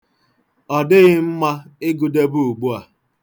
Ọ dịghị mma ịgụdebe ugbu a.